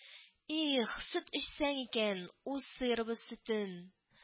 Их, сөт эчсәң икән, үз сыерыбыз сөтен